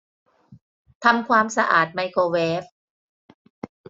ทำความสะอาดไมโครเวฟ